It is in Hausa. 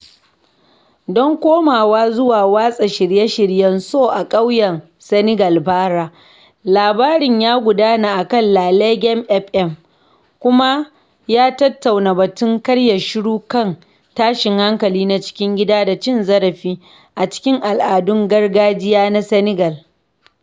Don komawa zuwa watsa shirye-shiryen Sow a ƙauyen Senegal bara: labarinta ya gudana akan La Laghem FM, kuma ya tattauna batun karya shiru kan tashin hankali na cikin gida da cin zarafi a cikin al’adun gargajiya na Senegal.